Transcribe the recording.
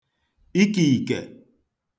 ikēìkè